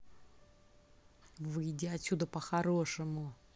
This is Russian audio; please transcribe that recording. выйди отсюда по хорошему